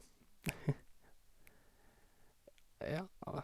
Ja.